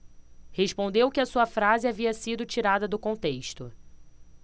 respondeu que a sua frase havia sido tirada do contexto